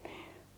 niin